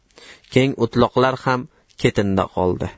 keng o'tloqlar ham ketinda qoldi